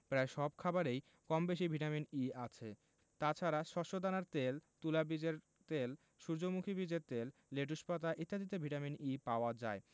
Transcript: প্রায় সব খাবারেই কমবেশি ভিটামিন ই আছে তাছাড়া শস্যদানার তেল তুলা বীজের তেল সূর্যমুখী বীজের তেল লেটুস পাতা ইত্যাদিতে ভিটামিন ই পাওয়া যায়